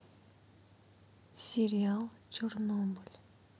сериал чернобыль